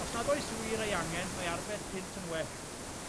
Os nad oes wir ei angen, mae arbed punt yn well.